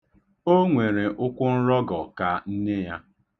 O nwere ụkwụnrọgọ ka nne ya